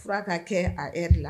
Fura ka kɛ a heure la.